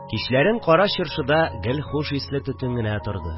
Кичләрен Кара Чыршыда гел хуш исле төтен генә торды